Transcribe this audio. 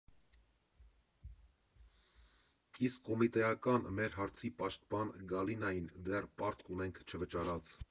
Իսկ կոմիտեական, մեր հարցի պաշտպան Գալինային դեռ պարտք ունենք չվճարված։